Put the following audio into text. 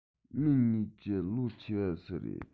ངེད གཉིས ཀྱི ལོ ཆེ བ སུ རེད